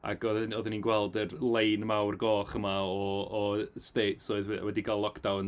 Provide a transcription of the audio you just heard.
Ac oeddwn oeddwn i'n gweld y lein mawr goch yma o o states oedd wedi cael lockdowns.